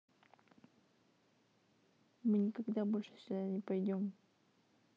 мы никогда больше сюда не пойдем